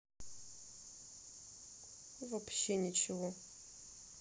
вообще ничего